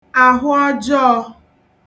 àhụọjọọ̄